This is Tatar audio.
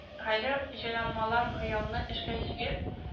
Гайре җайланмалар хыялны эшкә җиеп